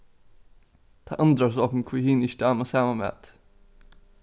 tað undrar so okkum hví hini ikki dáma sama mat